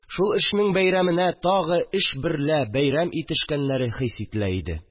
Шул эшнең бәйрәмене тагы эш берлә бәйрәм итешкәннәре хис ителә иде